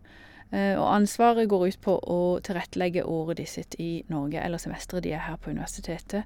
Og ansvaret går ut på tilrettelegge året de sitt i Norge eller semesteret de er her på universitetet.